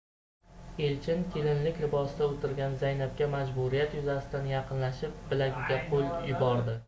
elchin kelinlik libosida o'tirgan zaynabga majburiyat yuzasidan yaqinlashib bilagiga qo'l yubordi